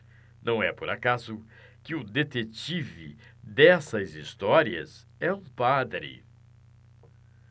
não é por acaso que o detetive dessas histórias é um padre